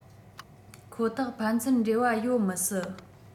ཁོ ཐག ཕན ཚུན འབྲེལ བ ཡོད མི སྲིད